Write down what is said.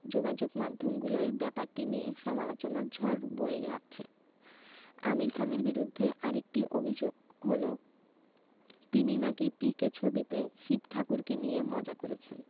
যোগাযোগমাধ্যমগুলোয় ব্যাপারটি নিয়ে সমালোচনার ঝড় বয়ে যাচ্ছে আমির খানের বিরুদ্ধে আরেকটি অভিযোগ হলো তিনি নাকি পিকে ছবিতে শিব ঠাকুরকে নিয়ে মজা করেছেন